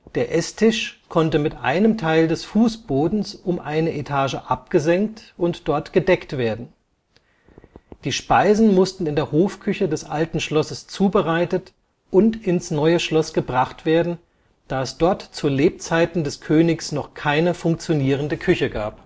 der Esstisch konnte mit einem Teil des Fußbodens um eine Etage abgesenkt und dort gedeckt werden. Die Speisen mussten in der Hofküche des Alten Schlosses zubereitet und ins Neue Schloss gebracht werden, da es dort zu Lebzeiten des Königs noch keine funktionierende Küche gab